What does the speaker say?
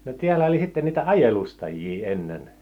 no täällä oli niitä ajelustajia ennen